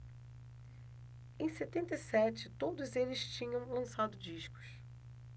em setenta e sete todos eles tinham lançado discos